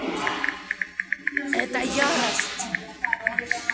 это ярость